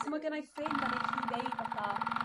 ...so mae gynnai ffrind a neith hi ddeud fatha